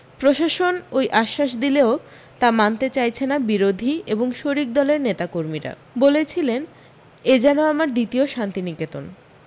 প্রশাসন ওই আশ্বাস দিলেও তা মানতে চাইছে না বিরোধী এবং শরিক দলের নেতাকর্মীরা বলেছিলেন এ যেন আমার দ্বিতীয় শান্তিনিকেতন